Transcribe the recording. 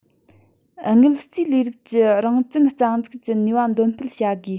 དངུལ རྩའི ལས རིགས ཀྱི རང གཅུན རྩ འཛུགས ཀྱི ནུས པ འདོན སྤེལ བྱ དགོས